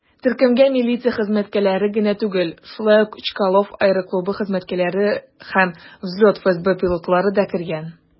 Төркемгә милиция хезмәткәрләре генә түгел, шулай ук Чкалов аэроклубы хезмәткәрләре һәм "Взлет" ФСБ пилотлары да кергән.